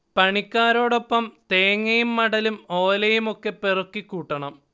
പണിക്കാരോടൊപ്പം തേങ്ങയും മടലും ഓലയും ഒക്കെ പെറുക്കി കൂട്ടണം